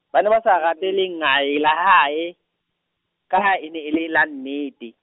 Ba ne ba sa rate lengae la hae, ka ha e ne e le la nnete.